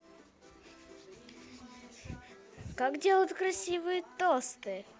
как делают красивые тосты